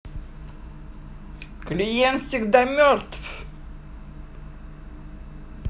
клиент всегда мертв